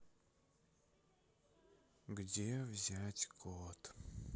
где взять код